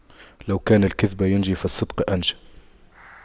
لو كان الكذب ينجي فالصدق أنجى